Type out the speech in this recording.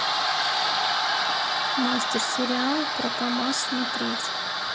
мастер сериал про камаз смотреть